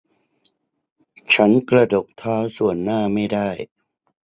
ฉันกระดกเท้าส่วนหน้าไม่ได้